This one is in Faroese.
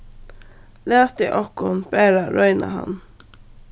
latið okkum bara royna hann